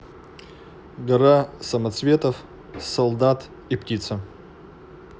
гора самоцветов солдат и птица